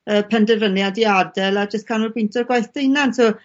y penderfyniad i ad'el a jyst canolbwyntio ar gwaith dy 'unan so